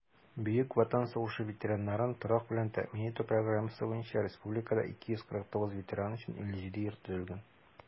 Бөек Ватан сугышы ветераннарын торак белән тәэмин итү программасы буенча республикада 249 ветеран өчен 57 йорт төзелгән.